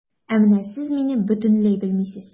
Ә менә сез мине бөтенләй белмисез.